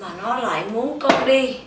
mà nó lại muốn con đi